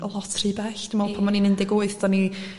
lot rhy bell dwi me'l pan oni'n un deg wyth do'n i